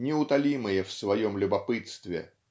неутолимые в своем любопытстве